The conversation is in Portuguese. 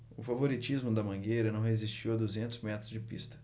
o favoritismo da mangueira não resistiu a duzentos metros de pista